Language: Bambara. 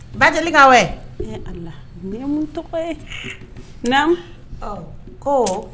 Bajelika wɛ , e Ala nin ye mun tɔgɔ ye ? Naamu ɔn ko